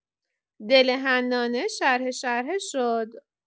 دل حنانه شرحه‌شرحه شد.